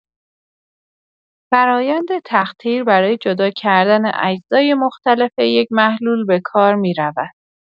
فرآیند تقطیر برای جدا‌کردن اجزای مختلف یک محلول به کار می‌رود.